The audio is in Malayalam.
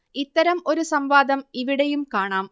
ഇത്തരം ഒരു സംവാദം ഇവിടെയും കാണാം